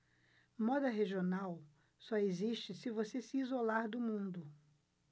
moda regional só existe se você se isolar do mundo